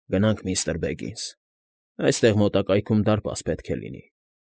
Գնանք, միստր Բեգինս… Այստեղ մոտակայքում դարպաս պետք է լինի։